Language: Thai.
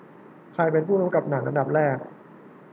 ใครเป็นผู้กำกับหนังอันดับหนึ่ง